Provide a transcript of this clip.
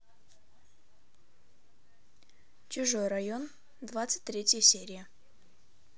чужой район двадцать третья серия